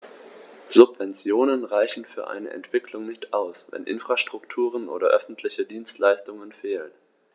Subventionen reichen für eine Entwicklung nicht aus, wenn Infrastrukturen oder öffentliche Dienstleistungen fehlen.